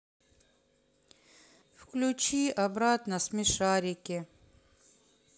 включи обратно смешарики